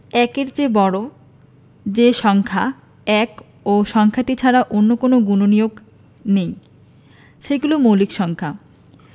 ১-এর চেয়ে বড় যে সব সংখ্যা ১ ও সংখ্যাটি ছাড়া অন্য কোনো গুণনীয়ক নেই সেগুলো মৌলিক সংখ্যা